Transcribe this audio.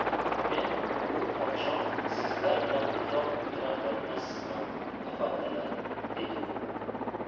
men bu oqshom sizlar bilan uzoq o'tira olmasman afandilar dedi u